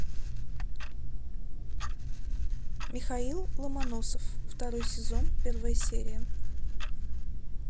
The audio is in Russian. михаил ломоносов второй сезон первая серия